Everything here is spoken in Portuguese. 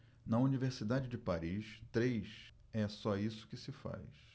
na universidade de paris três é só isso que se faz